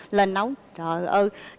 lên nấu trời ơi